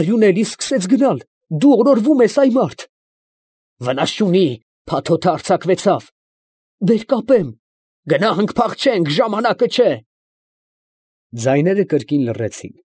Արյունը էլի սկսեց գնալ… դու օրորվում ես, ա՜յ մարդ…։ ֊ Վնաս չունի… փաթոթը արձակվեցավ… ֊ Բե՛ր, կապեմ։ ֊ Գնա՛նք… փախչե՛նք… ժամանակը չէ… Ձայները կրկին լռեցին։